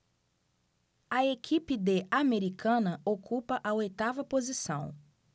a equipe de americana ocupa a oitava posição